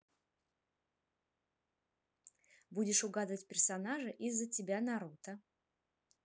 будешь угадывать персонажа из за тебя наруто